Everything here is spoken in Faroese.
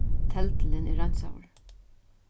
teldilin er reinsaður